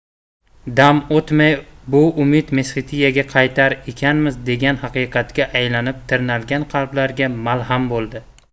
dam o'tmay bu umid mesxetiyaga qaytar ekanmiz degan haqiqatga aylanib tirnalgan qalblarga malham bo'ldi